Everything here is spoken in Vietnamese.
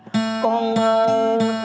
con mơ